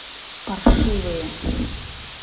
паршивые